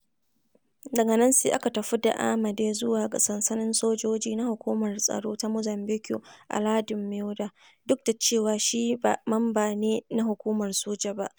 Daga nan sai aka tafi da Amade zuwa ga sansanin sojoji na hukumar tsaro ta Mozambiƙue a lardin Mueda, duk da cewa shi ba mamba ne na hukumar soja ba.